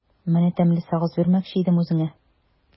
Менә тәмле сагыз бирмәкче идем үзеңә.